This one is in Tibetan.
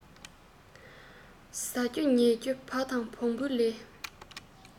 ཟ རྒྱུ ཉལ རྒྱུ བ དང བོང བའི ལས